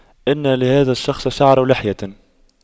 ان لهذا الشخص شعر لحية